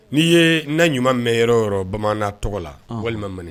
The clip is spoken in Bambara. N'i ye n ɲuman mɛnyɔrɔ yɔrɔ bamanan tɔgɔ la walima man